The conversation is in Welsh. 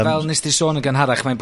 Fel nesd di sôn yn gynharach, mae'n...